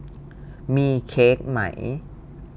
มีเค้กไหม